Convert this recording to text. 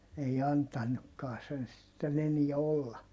ei antanutkaan sen sitten enää olla